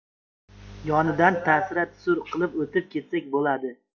yonidan tasira tusur qilib o'tib ketsak bo'ladi